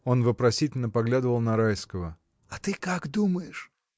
Он вопросительно поглядывал на Райского. — А ты как думаешь?